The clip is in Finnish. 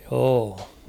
joo